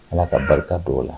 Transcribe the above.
Ala ka barika dɔw la